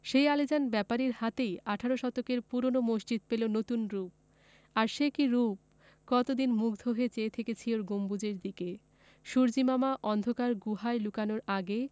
সেই আলীজান ব্যাপারীর হাতেই আঠারো শতকের পুরোনো মসজিদ পেলো নতুন রুপ আর সে কি রুপ কতদিন মুগ্ধ হয়ে চেয়ে থেকেছি ওর গম্বুজের দিকে সূর্য্যিমামা অন্ধকার গুহায় লুকানোর আগে